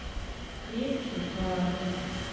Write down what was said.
крепкий хард